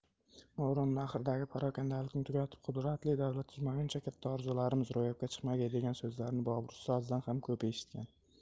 movarounnahrdagi parokandalikni tugatib qudratli davlat tuzmaguncha katta orzularimiz ro'yobga chiqmagay degan so'zlarni bobur ustozidan ham ko'p eshitgan